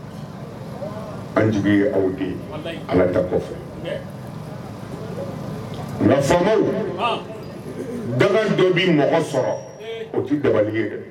An jigi ye aw de ye; Walahi; Ala ta kɔfɛ; Hatɛ; Nka faamaw; Han; danga dɔ bɛ mɔgɔ sɔrɔ o tɛ dabali ye dɛ